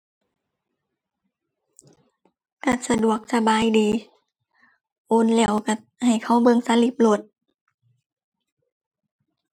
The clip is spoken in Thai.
ก็สะดวกสบายดี โอนแล้วก็ให้เขาเบิ่งสลิปโลด